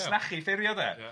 ...pasnachu, ffeirio de... Ia.